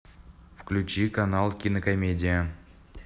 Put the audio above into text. включи канал кинокомедия